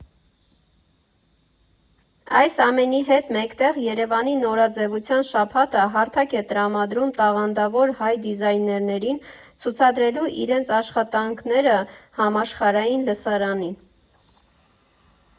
Այս ամենի հետ մեկտեղ Երևանի նորաձևության շաբաթը հարթակ է տրամադրում տաղանդավոր հայ դիզայներներին՝ ցուցադրելու իրենց աշխատանքները համաշխարհային լսարանին։